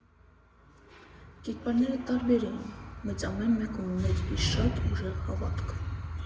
Կերպարները տարբեր էին, բայց ամեն մեկն ուներ իր շատ ուժեղ հավատքը։